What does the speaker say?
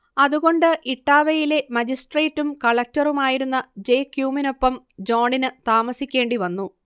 അതുകൊണ്ട് ഇട്ടാവയിലെ മജിസ്ട്രേറ്റും കളക്റ്ററുമായിരുന്ന ജെ ക്യുമിനൊപ്പം ജോണിന് താമസിക്കേണ്ടി വന്നു